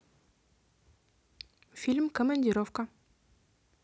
фильм командировка